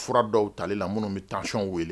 Fura dɔw tali la minnu bɛ taayɔn weele